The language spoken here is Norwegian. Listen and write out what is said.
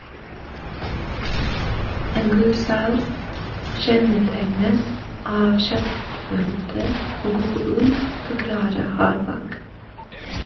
- En god sau kjennetegnes av kjøttfylde og god ull, forklarer Harbakk.